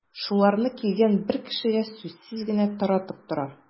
Шуларны килгән бер кешегә сүзсез генә таратып тора.